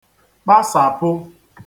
kpasàpụ